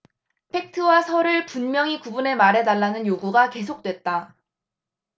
팩트와 설을 분명히 구분해 말해 달라는 요구가 계속됐다